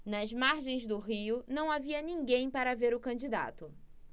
nas margens do rio não havia ninguém para ver o candidato